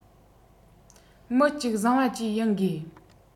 མི གཅིག བཟང བ བཅས ཡིན དགོས